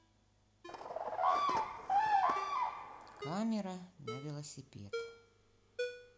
камера на велосипед